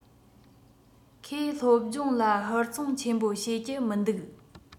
ཁོས སློབ སྦྱོང ལ ཧུར བརྩོན ཆེན པོ བྱེད ཀྱི མི འདུག